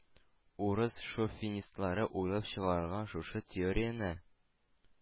Урыс шовинистлары уйлап чыгарылган шушы теорияне